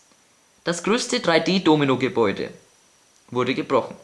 Das größte 3D-Domino-Gebäude - wurde gebrochen